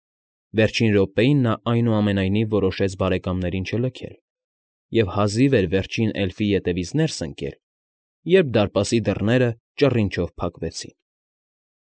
Վերջին րոպեին նա, այնուամենայնիվ, որոշեց բարեկամներին չլքել և հազիվ էր վերջին էլֆի ետևից ներս ընկել, երբ դարպասի դռները ճռինչով փակվեցին։